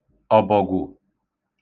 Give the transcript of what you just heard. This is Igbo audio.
ọ̀bọ̀gwụ̀